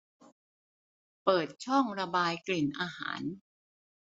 เปิดช่องระบายกลิ่นอาหาร